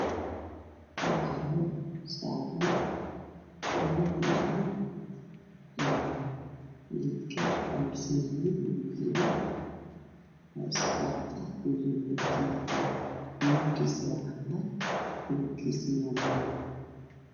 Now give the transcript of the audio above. Waa carwo waxa saaran caagad cagaaran oo ku jirto la is mariyo furka waa cagaar